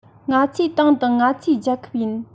ང ཚོའི ཏང དང ང ཚོའི རྒྱལ ཁབ ཡིན